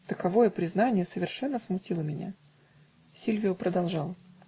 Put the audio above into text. Таковое признание совершенно смутило меня. Сильвио продолжал.